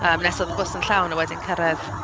Yym, nes oedd y bws yn llawn, a wedyn cyrraedd.